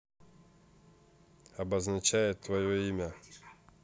обозначает твое имя